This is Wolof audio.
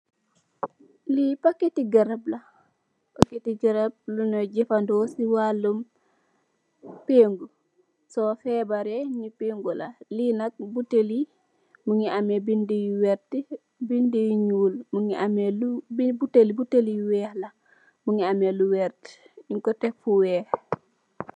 Li packet garap, packet ti garap buñ de jefandikoo si wallum pengo su febare nyu peng ngola. Li nak buttel bi mungi ame bindi yu werte, bindu yu ñuul, lu buteel buteel yu weex la mungi am lu wert nyung ko tek fu weex.